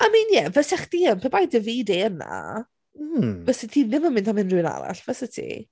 I mean yeah fysa chdi yn pe bai Davide yna... mm ...fysa ti ddim yn mynd am unrhyw un arall, fysa ti?